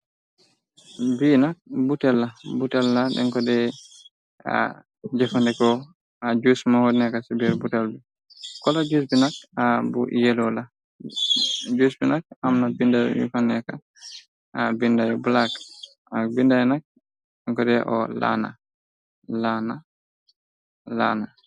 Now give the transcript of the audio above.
Bi nak butella butella denkode a jëfandeko a jus mo nekka ci biir butel bi kola jnak a bu yëlo lajus bi nak amna binder yu ko nekka a binday black ak binday nak ngode o laana laana.